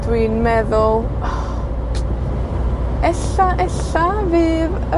...dwi'n meddwl, o, ella ella fydd y